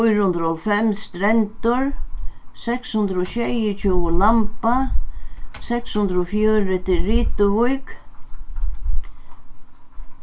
fýra hundrað og hálvfems strendur seks hundrað og sjeyogtjúgu lamba seks hundrað og fjøruti rituvík